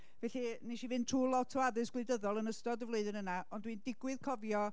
Felly, wnes i fynd trwy lot o addysg gwleidyddol yn ystod y flwyddyn yna, ond dwi'n digwydd cofio'r